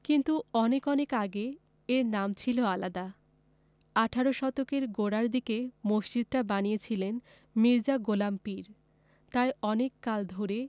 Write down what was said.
কিন্তু অনেক অনেক আগে এর নাম ছিল আলাদা আঠারো শতকের গোড়ার দিকে মসজিদটা বানিয়েছিলেন মির্জা গোলাম পীর তাই অনেক কাল ধরে